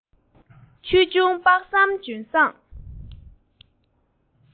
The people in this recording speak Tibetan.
ཆོས འབྱུང དཔག བསམ ལྗོན བཟང